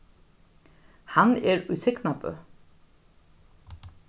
hann er í signabø